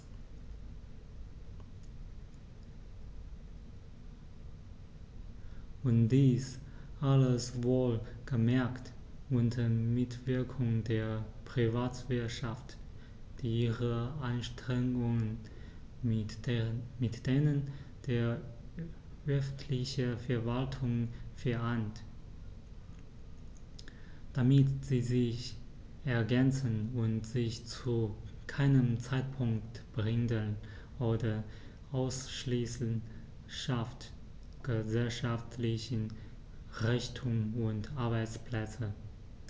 Und dies alles - wohlgemerkt unter Mitwirkung der Privatwirtschaft, die ihre Anstrengungen mit denen der öffentlichen Verwaltungen vereint, damit sie sich ergänzen und sich zu keinem Zeitpunkt behindern oder ausschließen schafft gesellschaftlichen Reichtum und Arbeitsplätze.